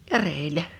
ja reellä